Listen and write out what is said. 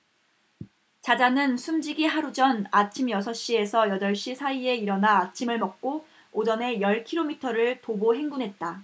자자는 숨지기 하루 전 아침 여섯 에서 여덟 시 사이에 일어나 아침을 먹고 오전에 열 키로미터를 도보 행군했다